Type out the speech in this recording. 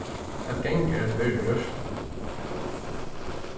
at ganga er at vera í rørslu